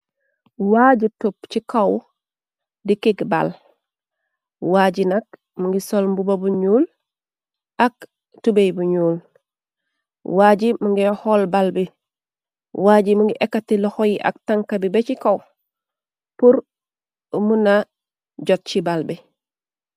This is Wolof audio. Waaji topp ci kaw, di kégg bal, waaji nak mu ngi solmbuba bu ñuul ak tubey bu ñuul. Waaji mangiy xool bal bi. Waaji mu ngi ekati laxo yi ak tanka bi be ci kaw, pur mu na jot ci bal bi.